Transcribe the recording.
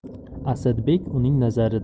asadbek uning nazarida